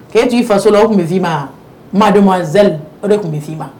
K'e t'i faso la o tun bɛ'i ma mazali o de tun bɛ'i ma